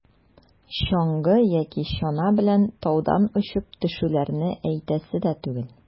Чаңгы яки чана белән таудан очып төшүләрне әйтәсе дә түгел.